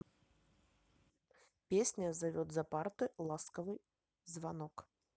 песня зовет за парты ласковый звонок